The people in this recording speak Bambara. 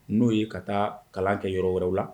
N'o ye ka taa kalan kɛ yɔrɔ wɛrɛw la